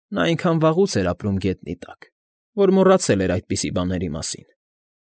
Նա այնքան վաղուց էր ապրում գետնի տակ, որ մոռացել էր այդպիսի բաների մասին։